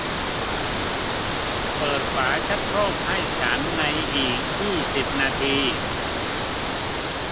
เปิดฝาชักโครกให้ฉันในอีกยี่สิบนาที